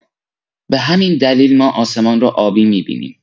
به همین دلیل ما آسمان رو آبی می‌بینیم.